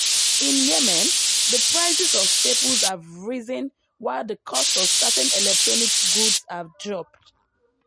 In Yemen, the prices of staples have risen while the cost of certain electronic goods have dropped.